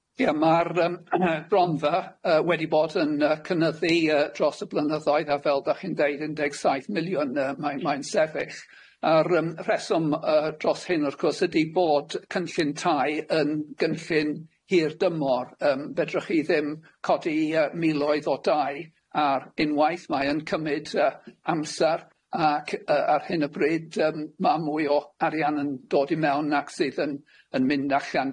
Ie ma'r yym yy bronfa yy wedi bod yn yy cynyddu yy dros y blynyddoedd a fel dach chi'n deud un deg saith miliwn yy mae'n mae'n sefyll a'r yym rheswm yy dros hyn wrth gwrs ydi bod cynllun tai yn gynllun hir dymor yym fedrwch chi ddim codi i yy miloedd o dai ar unwaith, mae yn cymyd yy amser ac yy ar hyn o bryd yym ma' mwy o arian yn dod i mewn nac sydd yn yn mynd allan.